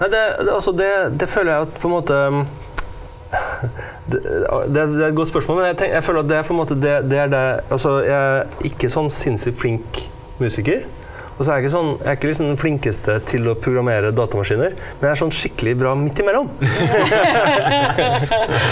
nei det det altså det det føler jeg at på en måte det er det er et godt spørsmål, men jeg jeg føler at det er på en måte det det er altså jeg er ikke sånn sinnssykt flink musiker, også er jeg ikke sånn jeg er ikke liksom den flinkeste til å programmere datamaskiner, men jeg er sånn skikkelig bra midt imellom .